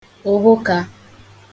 ụ̀hụkā